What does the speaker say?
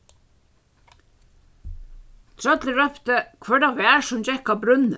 trøllið rópti hvør tað var sum gekk á brúnni